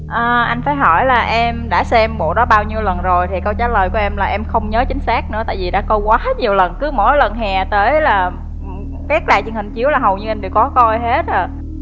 à anh phải hỏi là em đã xem bộ đó bao nhiêu lần rồi thì câu trả lời của em là em không nhớ chính xác nữa tại vì đã có quá nhiều lần cứ mỗi lần hè tới là các đài truyền hình chiếu là hầu như em đều có coi hết à